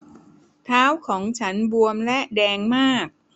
เท้าของฉันบวมและแดงมาก